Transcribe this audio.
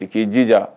I k'i jija